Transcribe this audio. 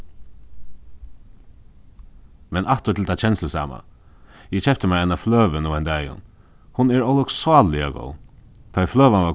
men aftur til tað kenslusama eg keypti mær eina fløgu nú ein dagin hon er ólukksáliga góð tá ið fløgan var